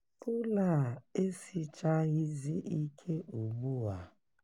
Ụlọ a esichaghịzị ike ugbu a.